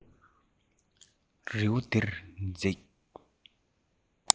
རི བོ འདིར འཛེགས